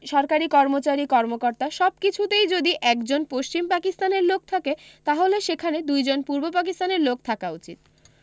সরকারি কর্মচারী কর্মকর্তা সবকিছুতেই যদি একজন পশ্চিম পাকিস্তানের লোক থাকে তাহলে সেখানে দুইজন পূর্ব পাকিস্তানের লোক থাকা উচিত